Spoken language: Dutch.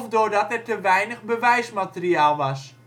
doordat er te weinig bewijsmateriaal was